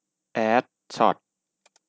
แอดช็อต